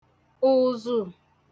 ùzù